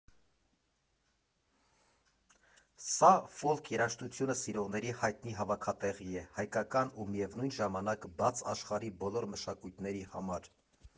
Սա ֆոլք երաժշտությունը սիրողների հայտնի հավաքատեղի է՝ հայկական ու միևնույն ժամանակ բաց աշխարհի բոլոր մշակույթների համար։